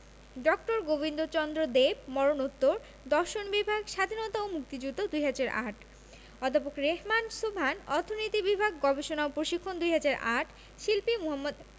ড. গোবিন্দচন্দ্র দেব মরনোত্তর দর্শন বিভাগ স্বাধীনতা ও মুক্তিযুদ্ধ ২০০৮ অধ্যাপক রেহমান সোবহান অর্থনীতি বিভাগ গবেষণা ও প্রশিক্ষণ ২০০৮ শিল্পী মু.